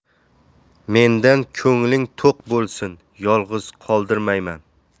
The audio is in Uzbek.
mendan ko'ngling to'q bo'lsin yolg'iz qoldirmayman